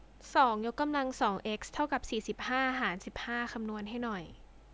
สองยกกำลังสองเอ็กซ์เท่ากับสี่สิบห้าหารสิบห้าคำนวณให้หน่อย